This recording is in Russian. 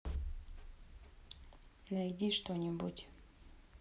найди что нибудь